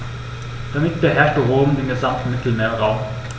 Damit beherrschte Rom den gesamten Mittelmeerraum.